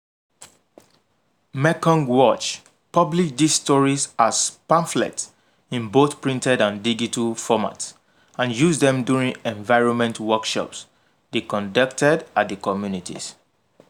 Mekong Watch published these stories as pamphlets in both printed and digital formats, and used them during environment workshops they conducted at the communities.